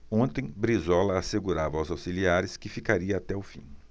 ontem brizola assegurava aos auxiliares que ficaria até o fim